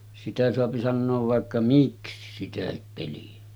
sitä saa sanoa vaikka miksi sitäkin peliä